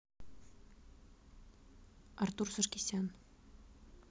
артур саркисян